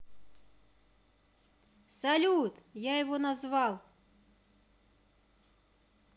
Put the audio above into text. салют я его назвал